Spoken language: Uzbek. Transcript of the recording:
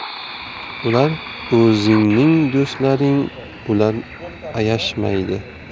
ular o'zingning do'stlaring ular ayashmaydi